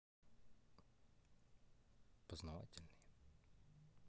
познавательный